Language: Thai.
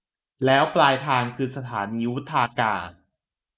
แล้วปลายทางคือสถานีวุฒากาศ